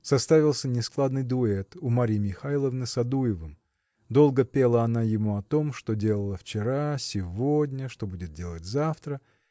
Составился нескладный дуэт у Марьи Михайловны с Адуевым долго пела она ему о том что делала вчера сегодня что будет делать завтра.